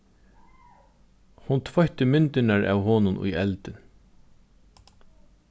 hon tveitti myndirnar av honum í eldin